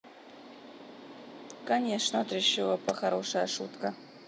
конечно treasure по хорошая штука